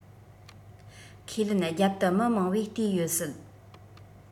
ཁས ལེན རྒྱབ ཏུ མི མང བོས བལྟས ཡོད སྲིད